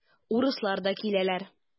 Урыслар да киләләр.